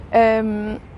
Yym.